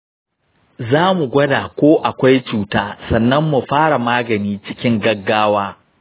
za mu gwada ko akwai cuta, sannan mu fara magani cikin gaggawa.